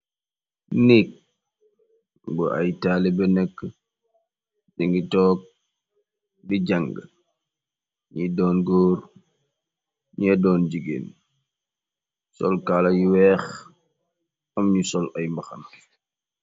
Neek bu ay taalibe nekku di ngi toog fi jànga ñiy doon góor ñe doon jigéen sol kaala yu weex am yu sol ay mbaxana.